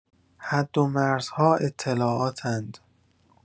حدومرزها اطلاعات‌اند.